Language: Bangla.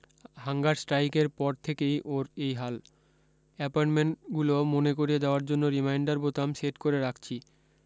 হাঙ্গার স্ট্রাইকের পর থেকেই ওর এই হাল এপয়েণ্টমেণ্টগুলো মনে করিয়ে দেওয়ার জন্য রিমাইন্ডার বোতাম সেট করে রাখছি